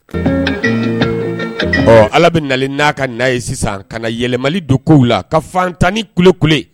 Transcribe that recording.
Ɔ ala bɛ na n' a ka n ye sisan ka yɛlɛma don kow la ka fantan ni kule kule